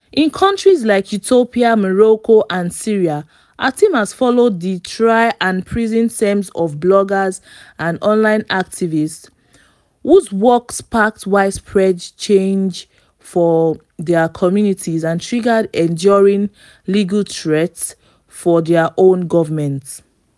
In countries like Ethiopia, Morocco and Syria our team has followed the trials and prison terms of bloggers and online activists whose work sparked widespread change for their communities and triggered enduring legal threats from their own governments.